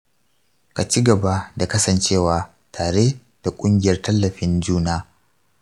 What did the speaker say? ka ci gaba da kasancewa tare da ƙungiyar tallafin juna.